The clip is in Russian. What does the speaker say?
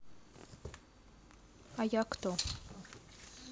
а я кто